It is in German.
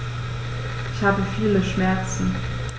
Ich habe viele Schmerzen.